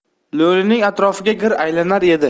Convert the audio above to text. lo'lining atrofida gir aylanar edi